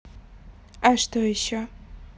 а что еще